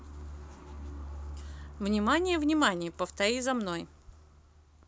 внимание внимание повтори за мной